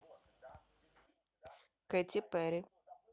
кэти перри